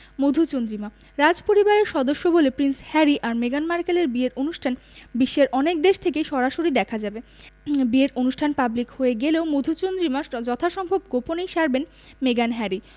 মধুচন্দ্রিমা রাজপরিবারের সদস্য বলে প্রিন্স হ্যারি আর মেগান মার্কেলের বিয়ের অনুষ্ঠান বিশ্বের অনেক দেশ থেকেই সরাসরি দেখা যাবে বিয়ের অনুষ্ঠান পাবলিক হয়ে গেলেও মধুচন্দ্রিমা যথাসম্ভব গোপনেই সারবেন মেগান হ্যারি